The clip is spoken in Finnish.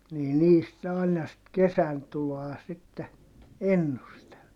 niin niistä ne aina sitten kesäntuloa sitten ennusteli